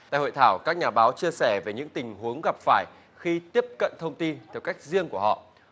tại hội thảo các nhà báo chia sẻ về những tình huống gặp phải khi tiếp cận thông tin theo cách riêng của họ